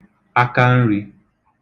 akanrī